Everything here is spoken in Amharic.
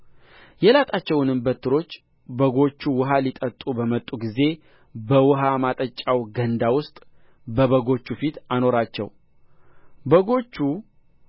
የላጣቸውንም በትሮች በጎቹ ውኃ ሊጠጡ በመጡ ጊዜ በውኃ ማጠጫው ገንዳ ውስጥ በበጎቹ ፊት አኖራቸው በጎቹ